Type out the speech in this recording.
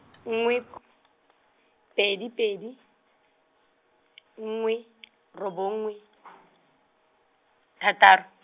nngwe, pedi pedi, nngwe, robongwe , thataro.